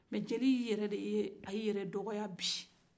mɛ jeliw yɛrɛ de u yɛrɛ dɔgɔya bi